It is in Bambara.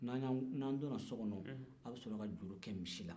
n'an donna so kɔnɔ aw bɛ sɔrɔ ka juru kɛ misi la